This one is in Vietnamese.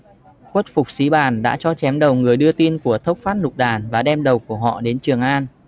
khất phục sí bàn đã cho chém đầu người đưa tin của thốc phát nục đàn và đem đầu của họ đến trường an